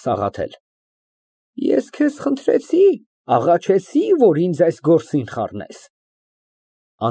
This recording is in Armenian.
ՍԱՂԱԹԵԼ ֊ Ես քեզ խնդրեցի՞, որ ինձ այս գործին խառնես։